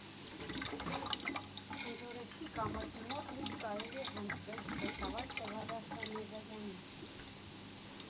Խնձորեսկի կամրջի մոտ միշտ կարելի է հանդիպել զբոսավար Սևադա Շահնազարյանին։